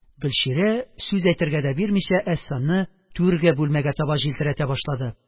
Гөлчирә, сүз әйтергә дә бирмичә, Әсфанны түрге бүлмәгә таба җилтерәтә башлады